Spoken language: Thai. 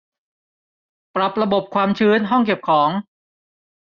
ปรับระบบความชื้นห้องเก็บของ